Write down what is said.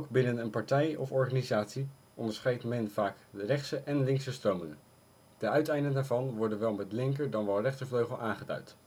binnen een partij of organisatie onderscheidt men vaak " rechtse " en " linkse " stromingen. De uiteinden daarvan worden met linker - dan wel rechtervleugel aangeduid